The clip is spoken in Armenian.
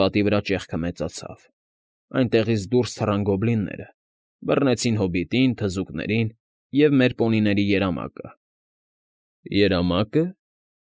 Պատի վրա ճեղքը մեծացավ, այնտեղից դուրս թռան գոբլինները, բռնեցին հոբիտին, թզուկներին և մեր պոնիների երմակը… ֊ Երամա՞կը։